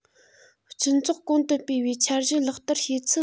སྤྱི ཚོགས གོང དུ སྤེལ བའི འཆར གཞི ལག བསྟར བྱས ཚུལ